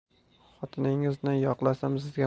xotiningizni yoqlasam sizga